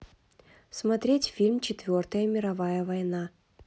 смотреть фильм четвертая мировая война